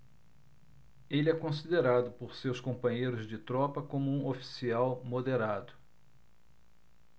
ele é considerado por seus companheiros de tropa como um oficial moderado